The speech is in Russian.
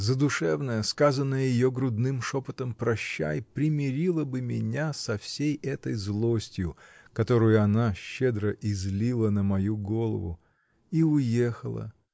Задушевное, сказанное ее грудным шепотом “прощай” примирило бы меня со всей этой злостью, которую она щедро излила на мою голову! И уехала!